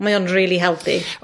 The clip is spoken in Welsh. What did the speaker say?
Mae o'n rili helpu...